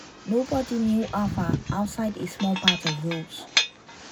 “Nobody knew Alffa outside a small part of Wales.